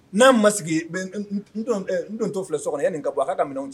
N'a ma sigi n dontɔ n dontɔ filɛ sokɔnɔ yani n ka segin a ka n'a ka minɛnw